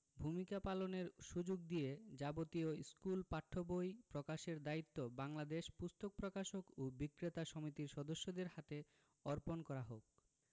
ভূমিকা পালনের সুযোগ দিয়ে যাবতীয় স্কুল পাঠ্য বই প্রকাশের দায়িত্ব বাংলাদেশ পুস্তক প্রকাশক ও বিক্রেতা সমিতির সদস্যদের হাতে অর্পণ করা হোক